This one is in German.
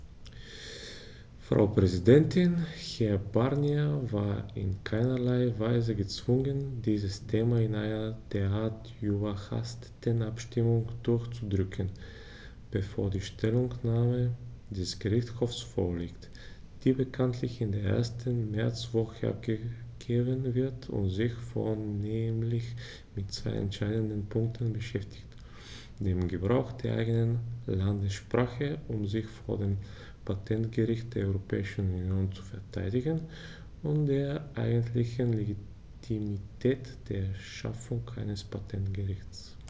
Frau Präsidentin, Herr Barnier war in keinerlei Weise gezwungen, dieses Thema in einer derart überhasteten Abstimmung durchzudrücken, bevor die Stellungnahme des Gerichtshofs vorliegt, die bekanntlich in der ersten Märzwoche abgegeben wird und sich vornehmlich mit zwei entscheidenden Punkten beschäftigt: dem Gebrauch der eigenen Landessprache, um sich vor dem Patentgericht der Europäischen Union zu verteidigen, und der eigentlichen Legitimität der Schaffung eines Patentgerichts.